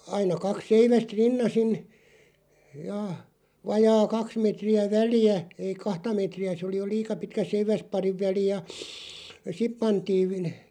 aina kaksi seivästä rinnaisin ja vajaa kaksi metriä väliä ei kahta metriä se oli jo liian pitkä seiväsparin väli ja sitten pantiin -